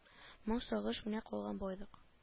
Моң сагыш менә калган байлык